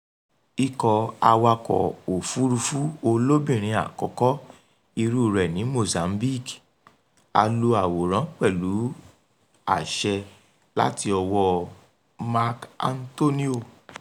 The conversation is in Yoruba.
Ikọ̀ awakọ̀ òfuurufú olóbìnrin àkọ́kọ́ irúu rẹ̀ ní Mozambique | A lo àwòrán pẹ̀lú àṣẹ láti ọwọ́ Meck Antonio.